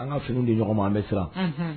An ka fini di ɲɔgɔn ma an bɛ siran